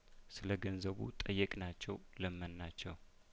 ስለገንዘቡ ጠየቅ ናቸው ለመን ናቸው